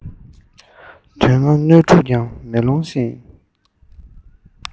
དོན ལྔ སྣོད དྲུག ཀྱང མེ ལོང བཞིན